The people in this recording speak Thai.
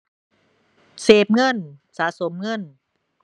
เซฟเงิน สะสมเงิน